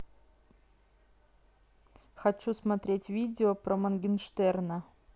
хочу смотреть видео про моргенштерна